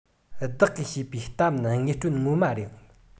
བདག གིས བཤད པའི གཏམ རྣམས དངོས འབྲེལ ངོ མ རང ཡིན